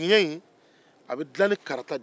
jigiɲɛ in a bɛ dilan ni karata de ye